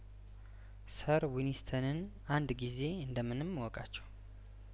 ሰር ዊንስተንን አንድ ጊዜ እንደምንም እወ ቃቸው